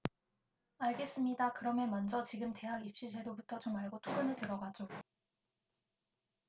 알겠습니다 그러면 먼저 지금 대학입시제도부터 좀 알고 토론에 들어가죠